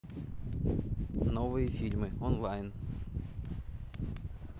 новые фильмы онлайн